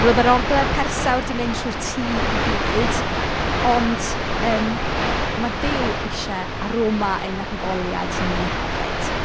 Roedd yr oglau'r persawr 'di mynd trwy'r tŷ i gyd, ond yym ma' Duw isie aroma ein haddoliad ni hefyd.